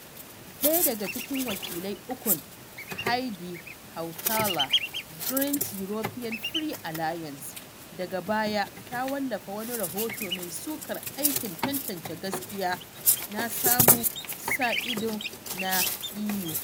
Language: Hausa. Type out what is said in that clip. Ɗaya daga cikin wakilai ukun, Heidi Hautala (Greens-European Free Alliance), daga baya ta wallafa wani rahoto mai sukar aikin tantance gaskiya na samu sa idon na EU.